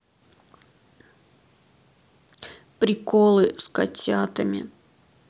приколы с котятами